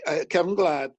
y cefn gwlad